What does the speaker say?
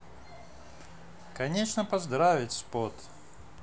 конечно поздравить спот